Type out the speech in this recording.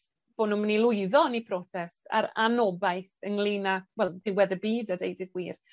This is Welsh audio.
bo' nw myn' i lwyddo yn eu protest a'r anobaith ynglŷn â wel, diwedd y byd a deud y gwir.